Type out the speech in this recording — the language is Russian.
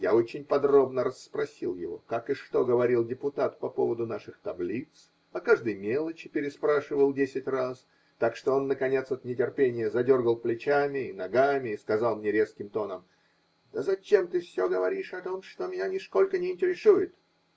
Я очень подробно расспросил его, как и что говорил депутат по поводу наших таблиц, о каждой мелочи переспрашивал десять раз, так что он, наконец, от нетерпения задергал плечами и ногами и сказал мне резким тоном: -- Да зачем ты все говоришь о том, что меня нисколько не интересует?